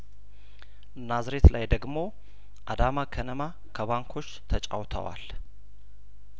ናዝሬት ላይ ደግሞ አዳማ ከነማ ከባንኮች ተጫውተዋል